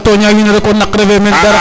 ga toña wiin we rek o naq refe men